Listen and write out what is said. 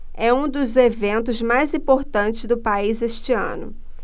é um dos eventos mais importantes do país este ano